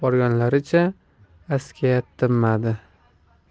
borgunlaricha askiya tinmadi